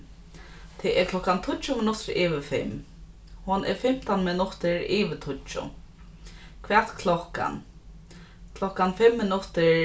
tað er klokkan tíggju minuttir yvir fimm hon er fimtan minuttir yvir tíggju hvat klokkan klokkan fimm minuttir